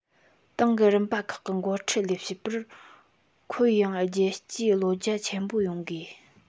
ཏང གི རིམ པ ཁག གི འགོ ཁྲིད ལས བྱེད པར ཁོང ཡངས དཀྱེལ ཆེའི བློ རྒྱ ཆེན པོ ཡོད དགོས